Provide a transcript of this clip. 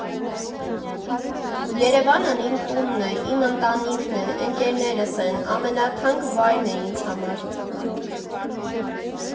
Երևանն իմ տունն է, իմ ընտանիքն է, ընկերներս են՝ ամենաթանկ վայրն է ինձ համար։